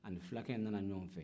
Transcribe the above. a ni fulakɛ in nana ɲɔgɔn fɛ